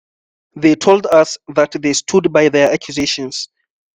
They told us that they stood by their accusation.